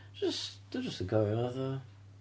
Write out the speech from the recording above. Jyst, dwi jyst yn cofio fo fatha...